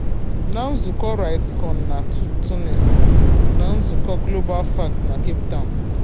Na nzụkọ RightsCon na Tunis, na nzụkọ GlobalFact na Cape Town, ewepụtara m ohere ịjụ ụmụafọ Afrịka ma ha nwere visa kwesịrịnụ.